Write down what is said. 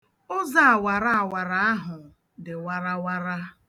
Ụzọ awara awara ahụ dị warawara.